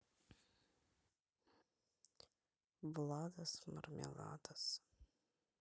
владос мармеладос